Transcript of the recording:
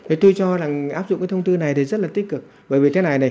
tôi cho rằng áp dụng thông tư này thì rất là tích cực về việc thế này này